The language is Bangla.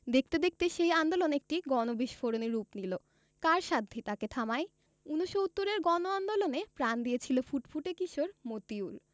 দেখতে দেখতে সেই আন্দোলন একটি গণবিস্ফোরণে রূপ নিল কার সাধ্যি তাকে থামায় ৬৯ এর গণ আন্দোলনে প্রাণ দিয়েছিল ফুটফুটে কিশোর মতিউর